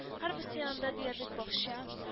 Һәрберсе янында диярлек бакча